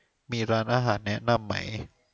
มีร้านอาหารแนะนำไหม